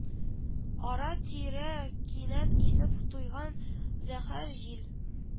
Ара-тирә кинәт исеп туйган зәһәр җил